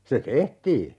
se tehtiin